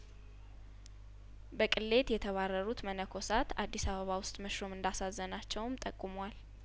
በቅሌት የተባረሩት መነኮሳት አዲስ አበባ ውስጥ መሾም እንዳሰዘናቸውም ጠቁሟል